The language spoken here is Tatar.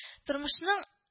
Тормышның